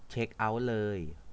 เช็คเอ้าท์เลย